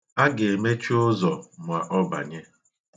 A ga-emechi ụzọ ma ọ banye.